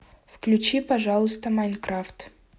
включи пожалуйста майнкрафт